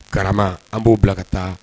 Karama an b'o bila ka taa